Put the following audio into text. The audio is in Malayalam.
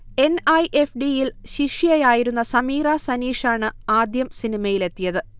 എൻ. ഐ. എഫ്. ഡി. യിൽ ശിഷ്യയായിരുന്ന സമീറ സനീഷാണ് ആദ്യം സിനിമയിലെത്തിയത്